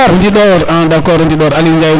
o Ndindor a d' accord O Ndindor Aliou Ndiaye o Ndindor